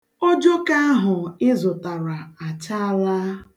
Ojoko ahụ ịzụtara a chaala.